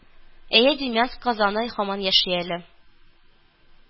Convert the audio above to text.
Әйе, Демянск казаны һаман яши әле